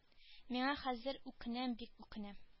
Менә хәзер үкенәм бик үкенәм